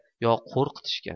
yo qo'rqitishgan